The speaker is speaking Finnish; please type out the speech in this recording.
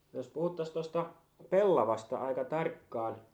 jos puhuttaisiin tuosta pellavasta aika tarkkaan